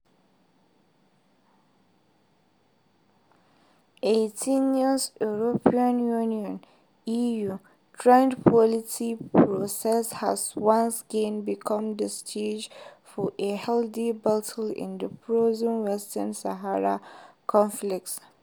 A tedious European Union (EU) trade policy process has once again become the stage for a heated battle in the “frozen” Western Sahara conflict.